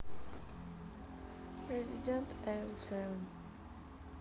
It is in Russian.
resident evil seven